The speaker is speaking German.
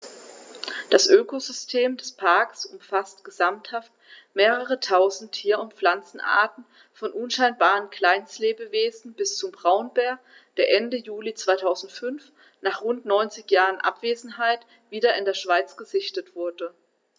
Das Ökosystem des Parks umfasst gesamthaft mehrere tausend Tier- und Pflanzenarten, von unscheinbaren Kleinstlebewesen bis zum Braunbär, der Ende Juli 2005, nach rund 90 Jahren Abwesenheit, wieder in der Schweiz gesichtet wurde.